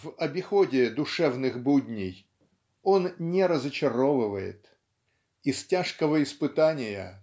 в обиходе душевных будней он не разочаровывает. Из тяжкого испытания